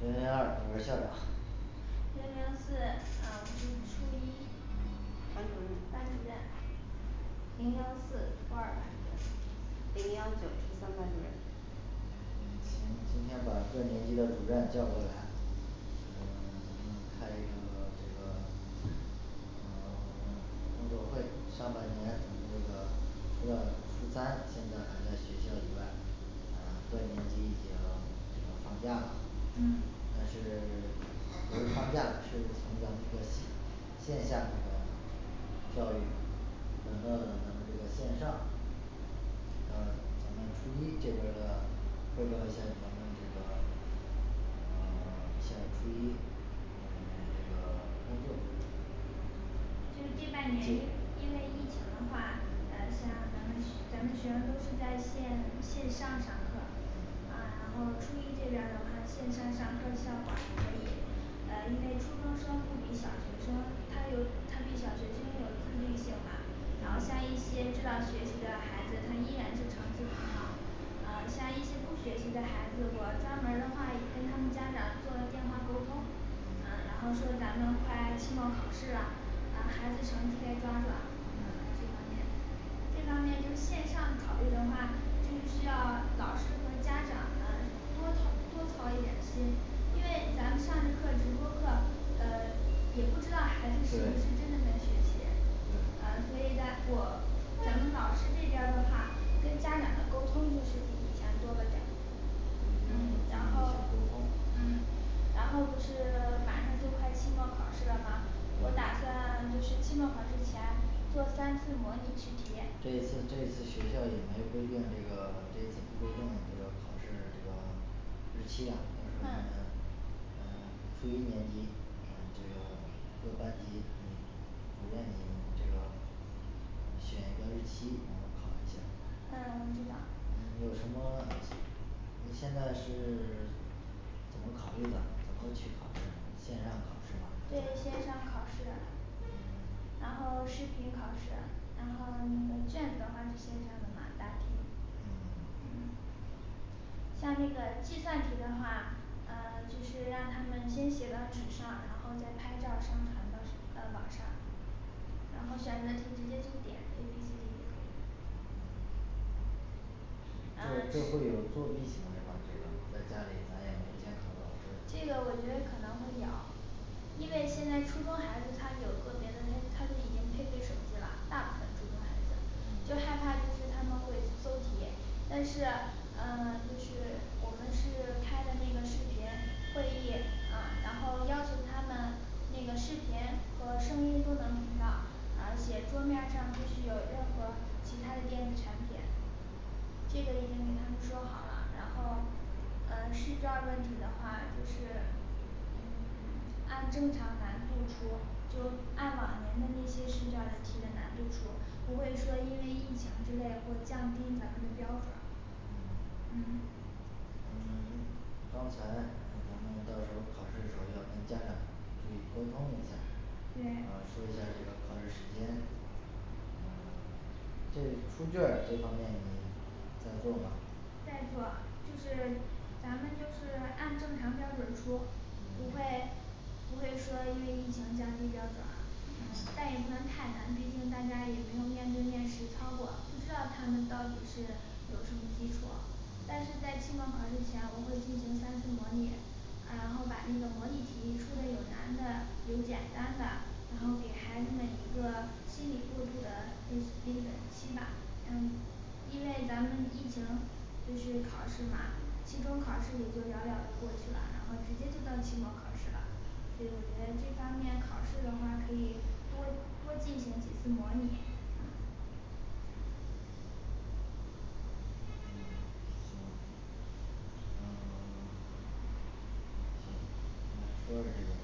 零零二我是校长。零零四啊我是初一班主任。班主任。零幺四初二班主任。零幺九初三班主任。嗯行今天把各年级的主任叫过来。嗯咱们开一个这个。嗯工作会上半年咱们那个，除了初三现在还在学校以外。嗯对初一已经都放假了嗯。但是。 不是放假了是从咱们这个线下这个教育转到咱们这个线上。嗯咱们初一这边儿的这个嗯像初一。嗯这个功课问题。就这对半年因因为疫情的话嗯嗯。像咱们徐 咱们学生都是在线线上上课。啊然后初一这边儿的话线上上课效果还可以。呃因为初中生不比小学生，他有他比小学生有自律性嘛。然后像一些知道学习的孩子，他依然是成绩很好。呃像一些不学习的孩子，我专门儿的话也跟他们家长做了电话沟通。嗯然后嗯说咱们快期末考试啦，啊孩子成绩该抓抓这方面。这方面就是线上考虑的话，就是需要老师和家长们多操多操一点儿心。因为咱们上着课直播课呃也不知道孩子是不是对。真的在学习，对嗯所以在过。咱们老师这边儿的话，跟家长的沟通就是比以前多了点儿对也要嗯注然意后一些沟通。嗯。然后不是马上就快期末考试了嘛我打嗯算就是期末考试前做三次模拟试题这一次这一次学校也没规定这个这次不规定这个考试这个日期的。到时候儿嗯你们嗯。初一年级嗯这个各班级你主任你这个呃选一个日期然后考一下儿。嗯我知道。嗯有什么你现在是 怎么考虑的怎么去考试呢线上考试吗对线上考试。嗯然后视频考试，然后那个卷子的话是线下的嘛答题嗯嗯。像那个计算题的话，呃就是让他们先写到纸上，然后再拍照儿上传到呃网上，然后选择题直接就点A B C D就可以。嗯。这嗯这会是有作弊行为吗这个在家里咱也没监这个考我老师。觉得可能会有。因为现在初中孩子他有个别的，他他就已经配备手机啦，大部分初中孩子，就害嗯。怕就是他们会搜题，但是。嗯 就是我们是开的那个视频会议，啊然后要求他们那个视频和声音都能听到，而且桌面儿上不许有任何其他的电子产品。这个已经给他们说好啦，然后嗯试卷儿问题的话就是。嗯按正常难度出，就按往年的那些试卷儿的题的难度出，不会说因为疫情之类会降低咱们的标准儿嗯。嗯。嗯刚才咱们到时候儿考试时候儿要跟家长注意沟通一下，啊对。说一下儿这个考试时间嗯。这出卷儿这方面你在做吗。在做就是咱们就是按正常标准儿出，不会嗯。不会说因为疫情降低标准儿。嗯嗯但也不能太难，毕竟大家也没有面对面实操过，不知道他们到底是有什么基础，但是嗯。在期末考试前我会进行三次模拟。嗯然后把那个模拟题出的有难的有简单的，然后给孩子们一个心理过渡的那那个期吧，让因为咱们疫情。必须考试嘛期中考试也就了了就过去啦，然后直接就到期末考试啦。所以我觉得这方面考试的话可以多多进行几次模拟嗯嗯行嗯 行，初二这边儿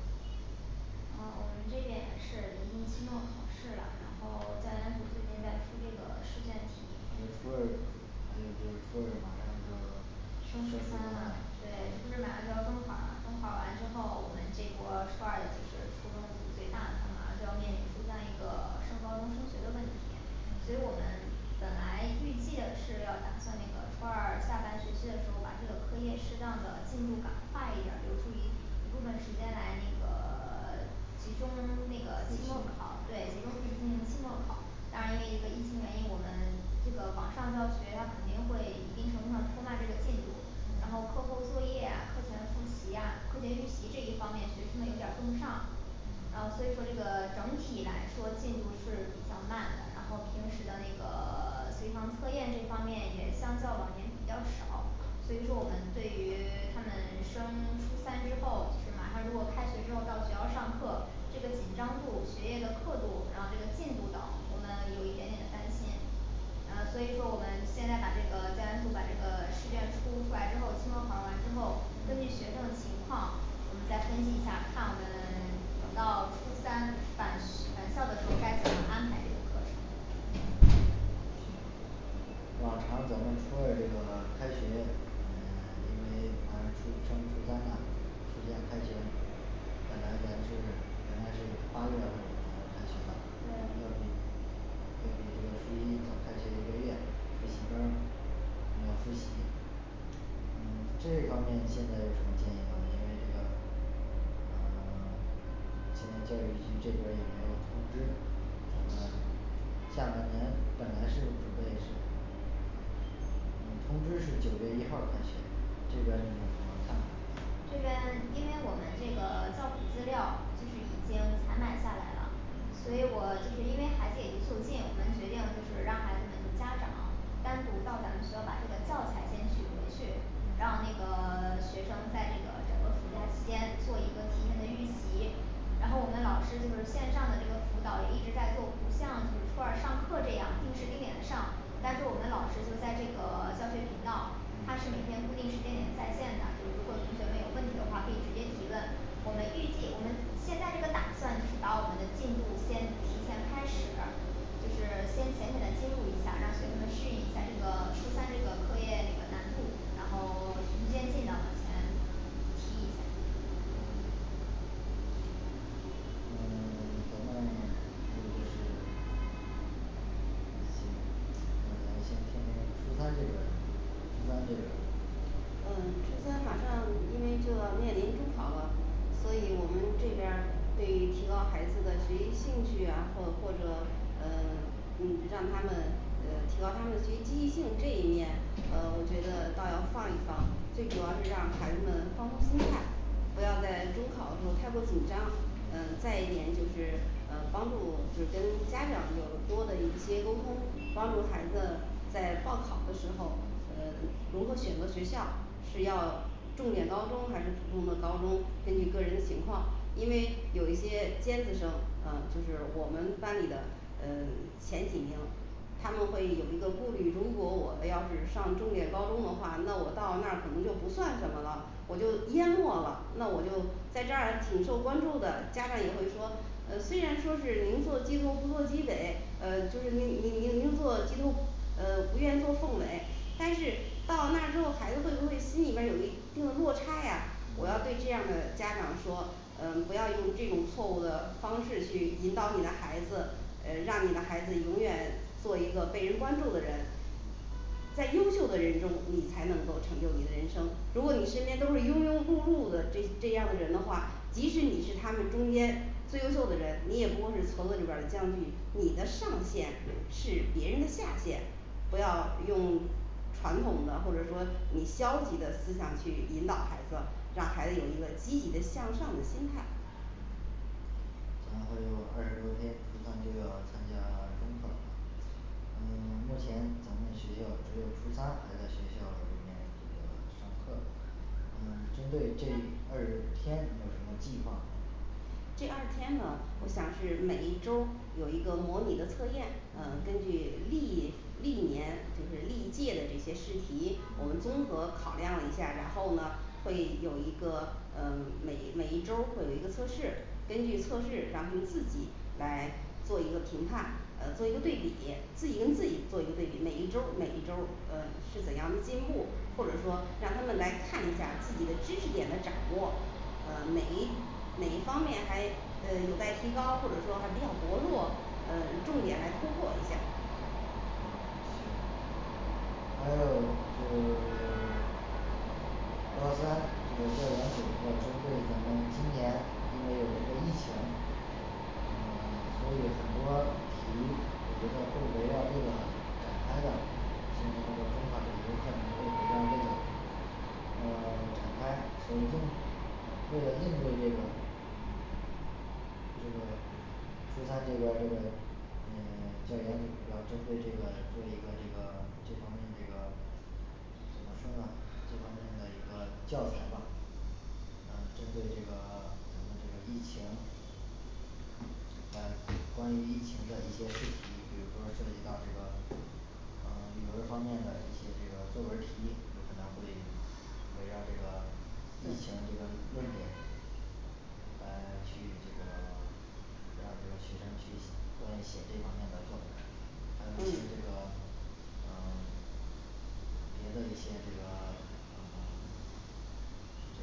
嗯我们这边也是临近期末考试啦，然后教研组最近在出这个试卷题。你们初二反正就是初二马上就要升升初初三三啦啦。。对这不是马上就要中考儿啦中考儿完之后我们这拨儿初二的就是初中最大的马上就要面临初三一个升高中升学的问题。所以我们嗯本来预计的是要打算那个初二下半学期的时候把这个课业适当的进度赶快一点儿留出一一部分时间来那个。 集中那个期末考，对集中复习进行期末考，当然因为一个疫情原因，我们这个网上教学它肯定会一定程度上拖慢这个进度，然后嗯课后作业呀课前复习呀课前预习这一方面学生们有点儿跟不上。然后嗯所以说这个整体来说进度是比较慢的，然后平时的那个 随堂测验这方面也相较往年比较少。所以说我们对于他们升初三之后，是马上如果开学之后到学校上课，这个紧张度学业的课度，然后这个进度等我们有一点点的担心。嗯所以说我们现在把这个教研组把这个试卷出出来之后，期末考试完之后，根据学嗯。生的情况，我们再分析一下，看我们 等到初三返返校的时候该怎么安排这个课程。嗯行往常咱们初二这个开学嗯 因为马上初升初三啦。暑假开学本来本是本来是八月份儿打算开学吧，要比要对。比这个初一早开学一个月补习班儿他们要复习。嗯这一方面你现在有什么建议吗，因为这个啊 现在教育局这边儿也没有通知。咱们下半年本来是准备是。嗯通知是九月一号儿开学，这边儿你怎么看的。这边因为我们这个教辅资料就是已经采买下来啦。所以我就是因为孩子也不固定我们决定就是让孩子们独家长，单嗯独到咱们学校把这个教材先取回去。让那嗯个 学生在这个整个暑假期间做一个提前的预习。然后我们老师就是线上的这个辅导也一直在做，不像是初二上课这样定时定点的上。但是我们老师就在这个教学频道，他是每嗯。天固定时间点在线的，如果同学们有问题的话可以直接提问，我们预计我们现在这个打算就是把我们的进度先提前开始。就是先浅浅的接触一下，让学生们适应一下这个初三这个课业这个难度，然后 明天尽量往前提一下。这个咱们还有就是。行那咱先听听初三这边儿呢，初三这边儿。嗯初三反正因为就要面临中考了，所以我们这边儿对于提高孩子的学习兴趣呀，或或者嗯嗯让他们。嗯提高他们学习积极性这一面，呃我觉得倒要放一放，最主要是让孩子们放松心态。不要在中考的时候太过紧张，呃嗯再一点就是嗯帮助就是跟家长有多的一些沟通，帮助孩子在报考的时候嗯如何选择学校。是要重点高中还是普通的高中，根据个人情况，因为有一些尖子生，嗯就是我们班里的嗯前几名。他们会有一个顾虑，如果我要是上重点高中的话，那我到了那儿可能就不算什么了，我就淹没了，那我就在这儿挺受关注的，家长也会说。嗯虽然说是宁做鸡头不做鸡尾呃就是那那宁宁做鸡头呃不愿做凤尾。但是到那之后孩子会不会心里边儿有一定落差呀，我要嗯对这样的家长说，嗯不要用这种错误的方式去引导你的孩子，呃让你的孩子永远做一个被人关注的人。在优秀的人中你才能够成就你的人生。如果你身边都是庸庸碌碌的这这样的人的话，即使你是他们中间最优秀的人，你也不过是从矬子里边儿将军，你的上线是别人下线，不要用。传统的或者说以消极的思想去引导孩子，让孩子有一个积极的向上的心态。咱还有二十多天初三就要参加中考儿嗯目前咱们学校只有初三还在学校里面这个上课。嗯针对这二十天你有什么计划。这二十天呢我想是每一周儿有一个模拟的测验，呃根嗯据历历年就是历届的这些试题，我们综嗯合考量了一下儿，然后呢会有一个呃每每一周儿会有一个测试。根据测试，让他们自己来做一个评判，呃做一个对比，自己跟自己做一个对比，每一周儿每一周儿呃是怎样进步，或者说让他们来看一下自己的知识点的掌握。呃哪一哪一方面还呃有待提高，或者说还比较薄弱，呃重点儿来突破一下儿。嗯行还有这。 高三这个教研组儿，要针对咱们今年因为有这个疫情。嗯所以很多题我觉得会围绕这个展开的，今年的中考儿题有可能会围绕这个。呃 展开所以应为了应对这个。嗯 这个初三这个这个嗯 教研组要针对这个做一个这个这方面这个怎么说呢这方面的一个教材吧。嗯针对这个 这个疫情。来关于疫情的一些试题比如说涉及到这个啊语文儿方面的一些这个作文儿题，可能会围绕这个疫情这个论点。来去这个让这个学生去关于写这方面的作文儿。 嗯 这嗯。个嗯 别的一些这个嗯这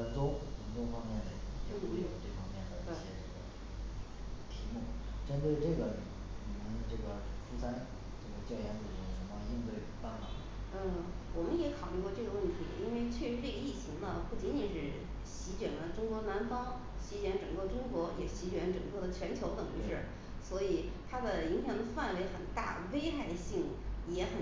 个文综文综方面嘞这方面的一些这个题目，针对这个你你们这个初三这个教研组有什么应对办法。嗯我们也考虑过这个问题，因为确实疫情呢不仅仅是席卷了中国南方席卷整个中国，也席卷整个全球等于是。所以它的影响范围很大，危害性也很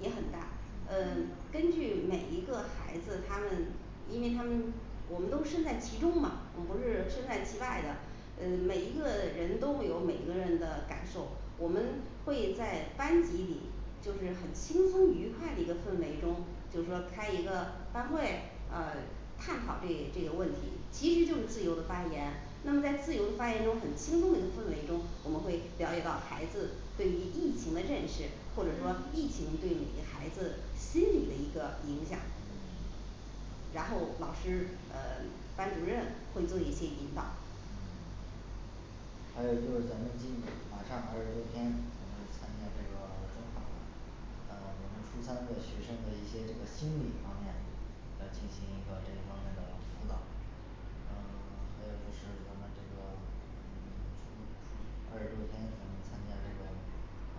也很大。嗯根据每一个孩子，他们因为他们我们都身在其中嘛，我们不是身在其外的。嗯每一个人都会有每个人的感受，我们会在班级里。就是很轻松愉快的一个氛围中就是说开一个班会，嗯探讨这这个问题。其实就是自由的发言，那么在自由发言中很轻松一个氛围中，我们会了解到孩子对于疫情的认识，或者说嗯疫情对于孩子心理的一个影响嗯。然后老师嗯班主任会做一些引导嗯。还有就是咱们近马上二十多天，咱们呢参加这个中考儿了，啊咱们初三的学生的一些这个心理方面要进行一个这个方面的辅导。嗯还有一个是咱们这个嗯。二十多天咱们参加这个啊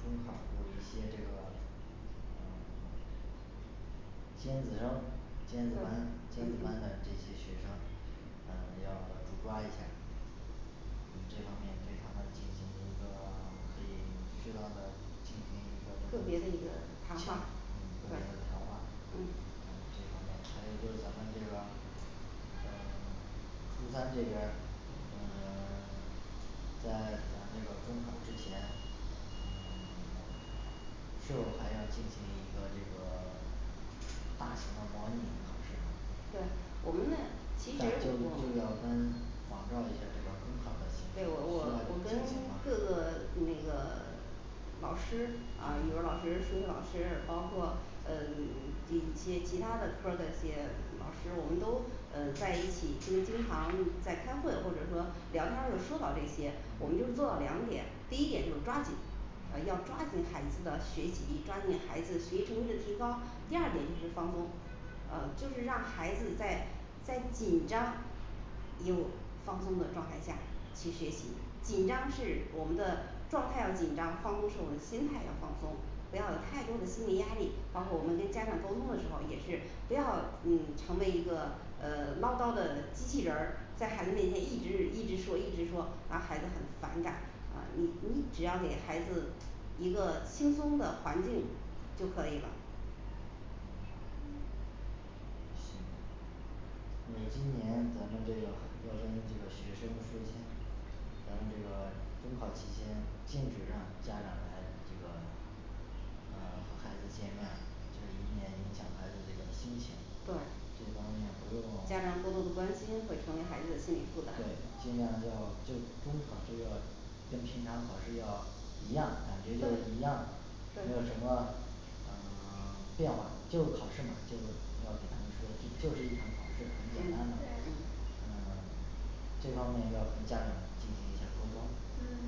中考儿有一些这个啊。尖子生尖子班尖子班的这些学生嗯要主抓一下儿。嗯这方面对他们进行一个可以适当的进行一个个这个别的一个谈话儿强嗯。特对别的谈话，嗯嗯。这方面还有就是咱们这个。嗯初三这边儿嗯 在咱那个中考儿之前嗯 是否还要进行一个这个大型的模拟考试。对我们呢提大前，就就要跟仿照儿一下儿这个中考儿的形对式，我我我需跟要进行各吗个那个。老师啊语文儿老嗯师数学老师，包括嗯一些其他的科儿的些老师，我们都嗯在一起就经常在开会或者说聊天儿的说到这些，我们就做到两点，第一点就是抓紧。呃要嗯抓紧孩子的学习，抓紧孩子学习成绩的提高。第二点就是放松，呃就是让孩子在在紧张。业务放松的状态下去学习，紧张是我们的状态要紧张，放松是我们心态要放松。不要有太多的心理压力，包括我们跟家长沟通的时候，也是不要嗯成为一个呃唠叨的机器人儿，在孩子面前一直是一直说一直说让孩子很反感。啊你你只要给孩子一个轻松的环境就可以了。行。那今年咱们这个孩要跟这个学生说清，咱们这个中考儿期间禁止让家长来这个啊和孩子见面儿，这免影响孩子这个心情。对这方面不家用长过多的关心，会成为孩子的心理对负担。尽量要就中考儿就要。跟平常考试要一样，感觉就对。一样，没有什对么呃 变化就考试嘛就要给他们说，这就是一场考试很简单的嗯对嗯嗯。这方面要跟家长进行一下沟通。嗯。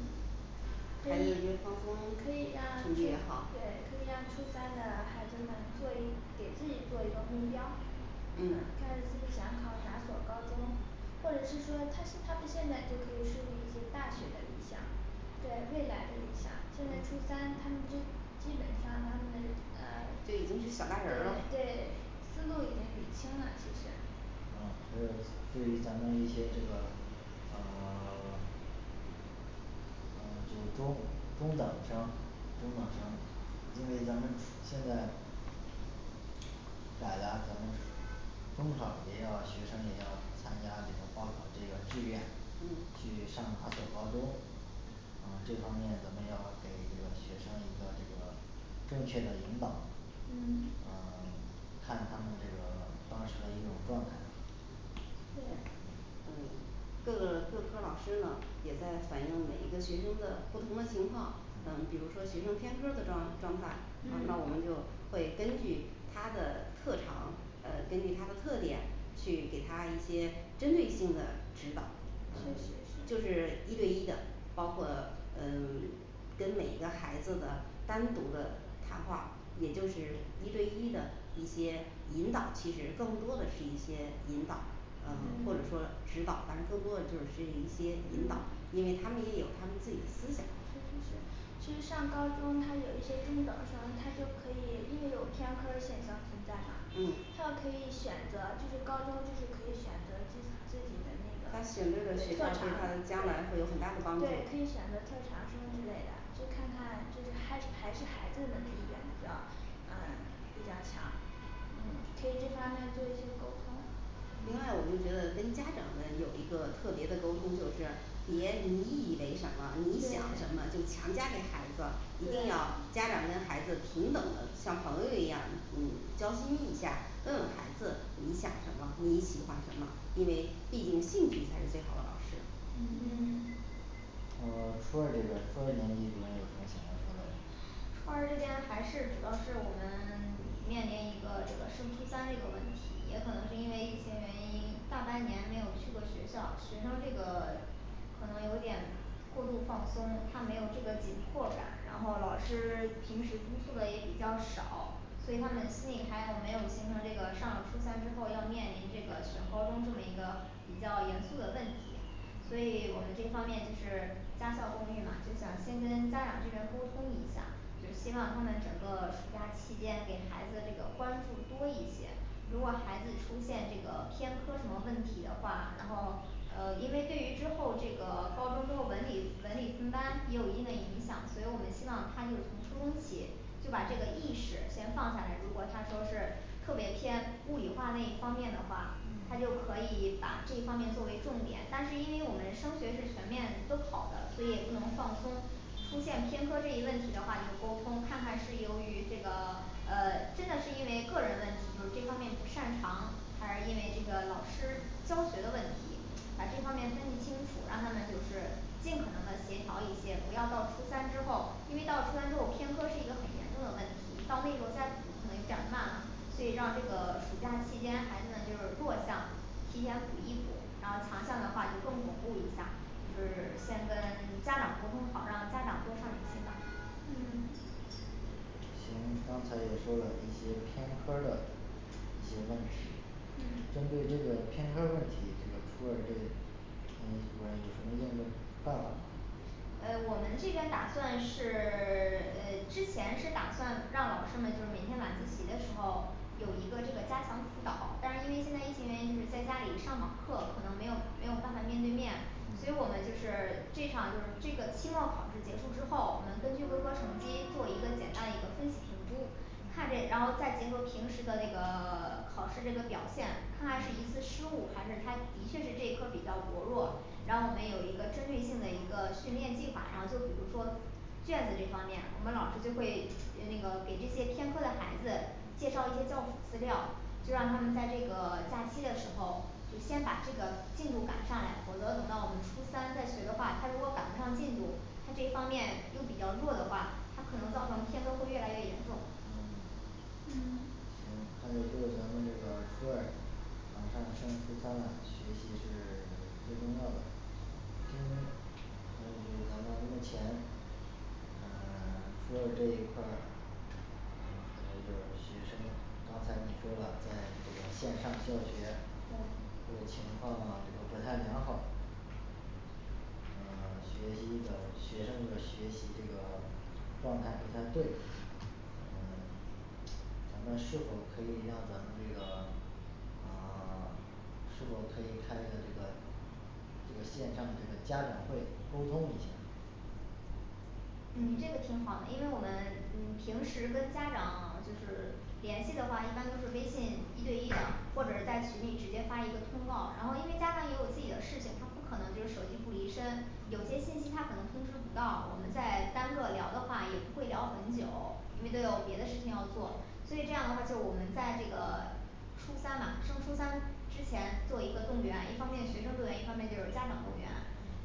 可孩以子越放松我们可以让成初，绩越好对，可以让初三的孩子们做一给自己做一个目标，看嗯。自己想考哪所高中。或者是说他他们现在就可以树立一些大学的理想。对未来的理想，现在初嗯三他们就基本上他们的啊就已经是小对大人儿了。对思路已经理清了，其实。呃所以对于咱们一些这个呃。 呃就中中等生中等生。因为咱们现在。改了咱们中中考儿也要学生也要参加，这个报考儿这个志愿嗯。去上哪所高中。嗯这方面咱们要给这个学生一个这个正确的引导。嗯。啊看他们这个当时的一种状态。对。嗯各个各科老师呢也在反映每一个学生的不同的情况，嗯比如说学生偏科儿的状状态，那我们嗯。就会根据他的特长，呃根据他这个特点。去给他一些针对性的指导，呃就确实是。是一对一的，包括嗯跟每一个孩子的单独的谈话。也就是一对一的一些引导，其实更多的是一些引导啊或者嗯说指导，反正更多的就是些一些引导嗯，因为他们也有他们自己思确实是想其实上高中他有一些中等生，他就可以因为有偏科儿现象存在嘛，嗯他就可以选择就是高中，就是可以选择自自己的那个他选择的学科会特长对他的将来会对有很大的帮助。对可以选择特长生之类的就看看就是还还是孩子们的意愿比较嗯比较强，可嗯。以这方面做一些沟通。另外我就觉得跟家长们有一个特别的沟通，就是别你以为什么你想什对么就强加给孩子。一定对要家长跟孩子平等的像朋友一样嗯交心一下，问问孩子你想什么，你喜欢什么，因为毕竟兴趣才是最好的老师。嗯嗯呃初二这边儿初二年级主任还有什么想要说的。初二这边还是主要是我们 面临一个这个升初三这个问题，也可能是因为疫情原因大半年没有去过学校，学生这个。可能有点过度放松，他没有这个紧迫感，然后老师平时督促的也比较少。所以他们心里还有没有形成这个上了初三之后要面临这个选高中这么一个比较严肃的问题。所以我们这方面就是家校共育嘛就想先跟大人这边沟通一下，就希望他们整个暑假期间给孩子这个关注多一些。如果孩子出现这个偏科什么问题的话，然后。呃因为对于之后这个高中论文理文理分班也有一定的影响，所以我们希望他就从初中起就把这个意识先放下来，如果他说是。特别偏物理化那一方面的话，他嗯。就可以把这一方面作为重点，但是因为我们升学是全面都考的，所以也不能放松。出现偏科这一问题的话，就沟通看看是由于这个呃真的是因为个人问题就这方面不擅长，还是因为这个老师教学的问题。把这方面分析清楚，让他们就是尽可能的协调一些，不要到初三之后，因为到初三之后偏科是一个很严重的问题，到那时候再补可能有点儿慢。所以让这个暑假期间孩子呢就是弱项提前补一补，然后强项的话就更巩固一下，就是先跟家长沟通好，让家长多上点心。嗯。行，刚才也说了一些偏科儿的一些问题。嗯。针对这个偏科儿问题这个初二这年级主任有什么应对办法吗。嗯我们这边打算是 呃之前是打算让老师们就是每天晚自习的时候有一个这个加强辅导，但是因为现在疫情原因就是在家里上网课可能没有没有办法面对面。所以我们嗯就是这场就是这个期末考试结束之后，我们根据各科成绩做一个简单一个分析评估。看着嗯然后再结合平时的这个 考试这个表现，看看是一次失误，还是他的确是这一科比较薄弱，然后我们有一个针对性的一个训练计划，然后就比如说。卷子这方面，我们老师就会那个给这些偏科的孩子介绍一些教辅资料。就让他们在这个假期的时候就先把这个进度赶上来，否则等到我们初三再学的话，他如果赶不上进度，他这方面又比较弱的话，他可能造成偏科会越来越严重。嗯。嗯。行还有这咱们这个初二马上升初三啦，学习是 最重要的。下面咱们这个咱们目前啊 初二这一块儿。呃还有就是学生刚才你说了在这个线上教学对这个情况呢不太良好。啊学习的学生的学习这个状态不太对。嗯咱们是否可以让咱们这个啊 是否可以开展一个这个线上这个家长会沟通一下。嗯这个挺好的，因为我们嗯平时跟家长嘛就是联系的话，一般都是微信一对一的，或者在群里直接发一个通告，然后因为家长也有自己的事情，他不可能就手机不离身。有些嗯信息他可能通知不到我们，在单个聊的话也不会聊很久，因为都有别的事情要做，所以这样的话就我们在这个。初三嘛升初三之前做一个动员，一方面学生动员，一方面就是家长动员。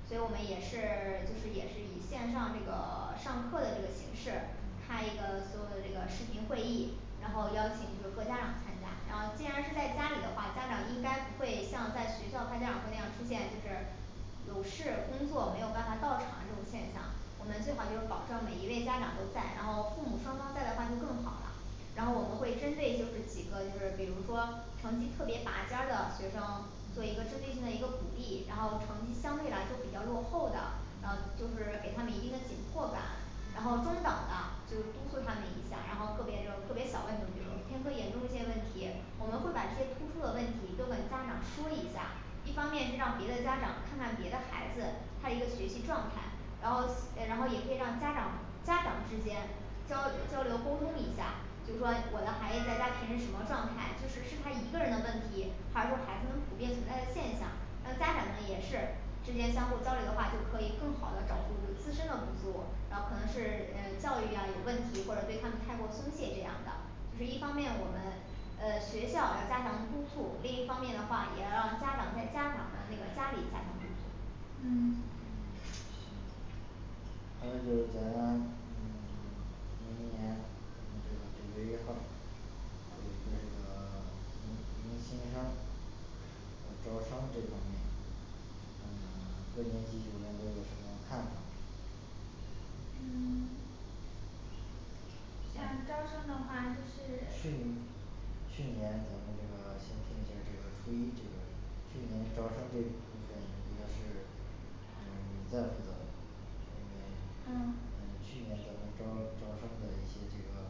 所以嗯。我们也是 就是也是以线上这个 上课的这个形式开嗯一个所有的这个视频会议，然后邀请就各家长参加，然后既然是在家里的话，家长应该不会像在学校开家长会那样出现就是。有事工作没有办法到场的这种现象，我们最好就是保证每一位家长都在，然后父母双方在的话就更好啦。然后我们会针对就是几个就是比如说成绩特别拔尖儿的学生做一个嗯针对性的一个鼓励，然后成绩相对来说比较落后的，然后嗯就是给他们一定的紧迫感。然后中等的就是督促他们一下，然后个别就个别小问题，比如偏科严重一些问题，我们会把这些突出的问题都跟家长说一下。一方面是让别的家长看看别的孩子他一个学习状态，然后然后也可以让家长家长之间交流交流沟通一下。就说我的孩子在家平时什么状态，就是是他一个人的问题，还是说孩子们普遍存在的现象，呃家长们也是。之间相互交流的话，就可以更好的找出自身的不足，然后可能是呃教育呀有问题，或者对他们太过松懈这样的。就是一方面我们呃学校要加强督促，另一方面的话也要让家长在家长的那个家里面督促。嗯嗯行。还有就是咱 嗯 明年就是九月一号儿有一个这个 迎迎新生。呃招生这方面，嗯各年级主任都有什么看法儿呢。嗯。像招生的话，就是。去你 去年咱们这个先听一下儿这个初一这个去年招生这部分主要是嗯你在负责。因为嗯嗯去年咱们招招生的一些这个。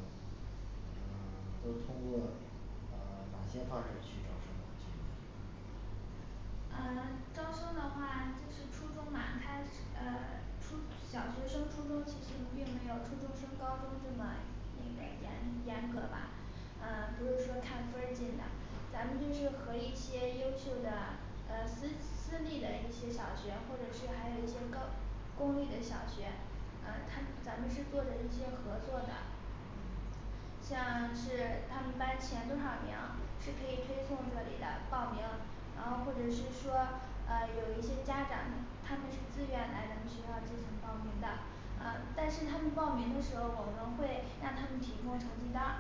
嗯都通过啊哪些方式去招生去年。嗯招生的话就是初中嘛它呃初小学升初中，其实并没有初中升高中，这么那个严严格吧。啊不是说看分儿进的，咱们就是和一些优秀的呃私私立的一些小学，或者是还有一些高公立的小学。呃它咱们是做着一些合作的。嗯。像是他们班前多少名是可以推送这里的报名。然后或者是说呃有一些家长他们是自愿来咱们学校进行报名的，呃但是他们报名的时候，我们会让他们提供成绩单儿。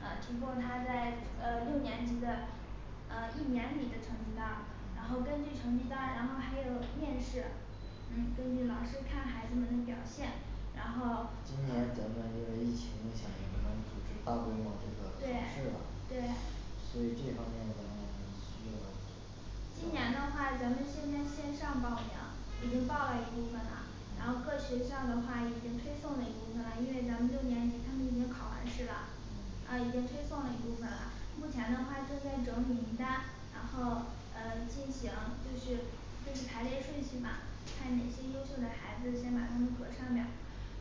啊提供他在呃六年级的啊一年里的成绩单儿，然后嗯。根据成绩单儿然后还有面试。嗯根据老师看孩子们的表现，然后今年呃咱们因为疫情影响也没有组织大规模这个对考试，对啦所以这方面咱们需要。今年的话咱们先在线上报名已经报了一部分啦，然后嗯。各学校的话已经推送了一部分了，因为咱们六年级他们已经考完试啦。嗯。啊已经推送了一部分啦，目前的话正在整理名单，然后呃进行就是就是排列顺序嘛，看哪些优秀的孩子先把他们搁上面儿。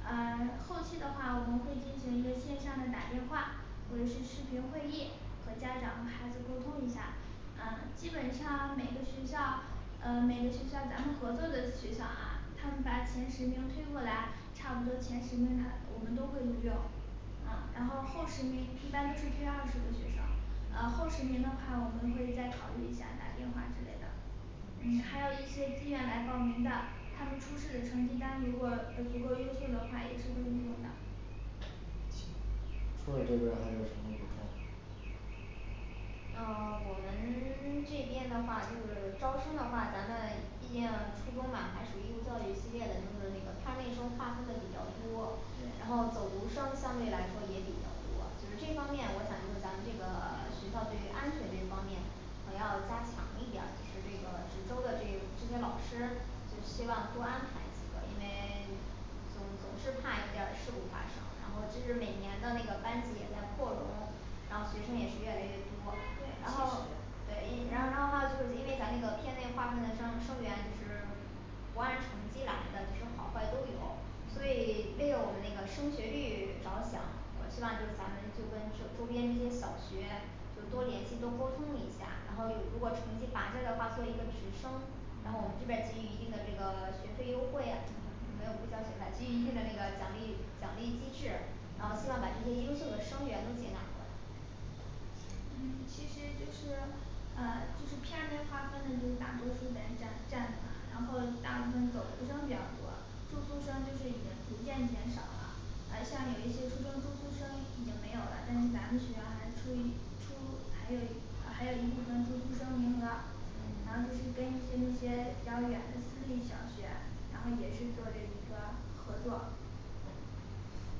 啊后期的话我们会进行一个线上的打电话，我们是视频会议和家长和孩子沟通一下。啊基本上每个学校。呃每个学校咱们合作的学校啊，他们把前十名推过来，差不多前十名他我们都会录用。嗯然后后十名一般都是推二十个学生，呃后十名的话我们会再考虑一下打电话之类的。嗯还有一些自愿来报名的，他们出示的成绩单如果有足够优秀的话也是会录用的。初二这边儿还有什么补充。呃 我们 这边的话就是招生的话，咱们毕竟初中嘛还属于义务教育系列的就是那个它那时候划分的比较多，然对后走读生相对来说也比较多，就是这方面我想就是咱们这个学校对于安全这一方面。可要加强一点儿就是这个值周的这这些老师就希望多安排几个，因为 总总是怕有点儿事故发生，然后就是每年的那个班级也在扩容。然后学生也是越来越多对，，然后确实对，一 然后然后还有就是因为咱那个片内划分的生生源就是。不按成绩来的，就是好坏都有。所以为了我们那个升学率着想，我希望就是咱们就跟是周边那些小学就多联系多沟通一下，然后有如果成绩拔尖儿的话做一个直升。然后我们这边儿给予一定的这个学费优惠，没有不交学费，给予一定的这个奖励奖励机制，然后希望把这些优秀的生源都接纳过来。嗯其实就是啊就是片儿内划分的就是大多数咱这这样子嘛，然后大部分走读生比较多，住宿生就是已经逐渐减少啦。啊像有一些初中住宿生已经没有啦，但是咱们学校还是出一出，还有一还有一部分住宿生名额，然后就嗯。是跟跟一些比较远的私立小学，然后也是做了一个合作。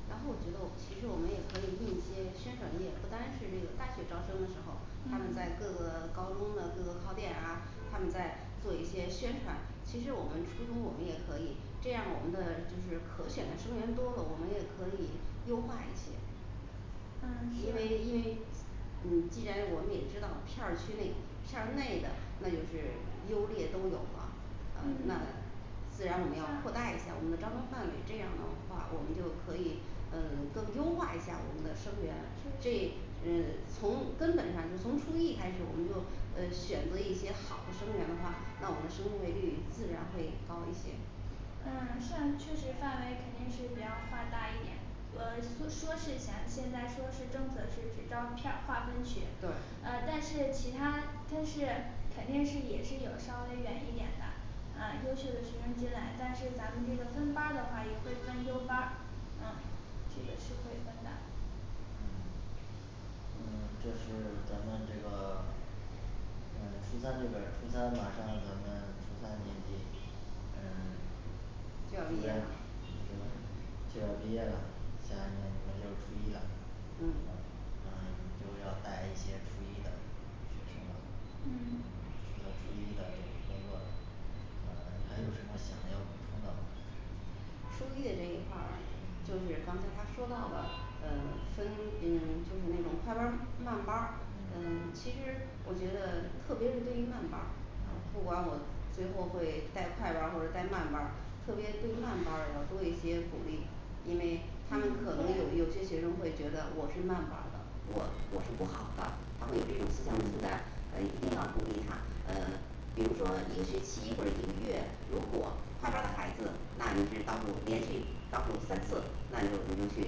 然后我觉得我其实我们也可以用一些宣传，也不单是这个大学招生的时候。他们在各嗯个高中的各个考点啊，他们在做一些宣传，其实我们初中我们也可以这样，我们的就是可选的生源多了，我们也可以优化一些。嗯因为因是为嗯既然我们也知道片儿区内片儿内的那就是优劣都有啦啊那嗯么。。自然我们要扩那大一下我们的招生范围，这样的话我们就可以嗯更优化一下我们的生源，这是嗯从根本上就从初一开始我们就呃选择一些好的生源的话，那我们的升学率自然会高一些。嗯像确实范围肯定是比较画大一点，呃速 说是想现在说是政策是只招片儿划分区，对。啊但是其他他是肯定是也是有稍微远一点的。啊优秀的学生进来，但是咱们这个分班儿的话也会分优班儿嗯这个是会分的。嗯。嗯这是咱们这个咱初三这边儿初三马上咱们初三年级嗯 就初要三毕吧是业。吧。就要毕业了下面就是又初一了，嗯嗯就要带一些初一的是吗嗯。负责初一的这工作。啊还有什么想要补充的吗。初一的那一块儿，就嗯是刚才他说到了呃分嗯就是那种快班儿慢班儿嗯嗯其实我觉得特别是对于慢班儿。不嗯管我最后会带快班儿或者带慢班儿特别对慢班儿我多一些鼓励。因为他嗯们可能对有有些学生会觉得我是慢班儿的，我我是不好的，他会有这种思想上的负担，呃嗯一定要鼓励他嗯。期或者一个月，如果快班儿的孩子那你是倒数连续倒数三次，那你就你就去。